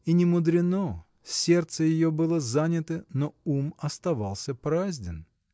И не мудрено: сердце ее было занято, но ум оставался празден.